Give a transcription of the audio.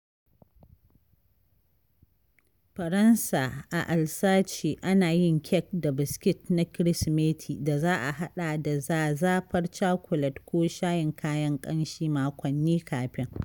Faransa - A Alsace ana yin kek da biskit na Kirsimeti da za a haɗa da zazafar cakulet ko shayin kayan ƙanshi makwanni kafin.